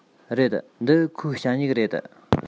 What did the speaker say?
རེད འདི ཁོའི ཞ སྨྱུག རེད